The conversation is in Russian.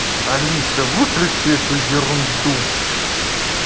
алиса выключи эту ерунду